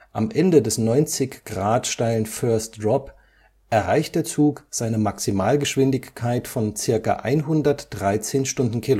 Am Ende des 90° steilen First Drop erreicht der Zug seine Maximalgeschwindigkeit von ca. 113 km/h. Die